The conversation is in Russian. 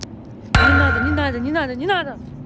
не надо не надо не надо не надо